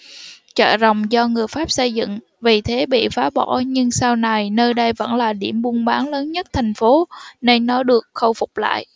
chợ rồng do người pháp xây dựng vì thế bị phá bỏ nhưng sau này nơi đây vẫn là điểm buôn bán lớn nhất thành phố nên nó đã được khôi phục lại